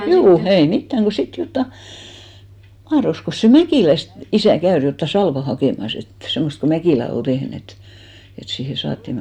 juu ei mitään kun sitten jotakin mahtoikos se Mäkilästä isä käydä jotakin salvaa hakemassa että semmoista kun Mäkilä oli tehnyt että että siihen saatiin